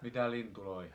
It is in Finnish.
mitä lintuja